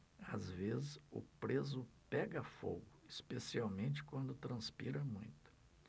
às vezes o preso pega fogo especialmente quando transpira muito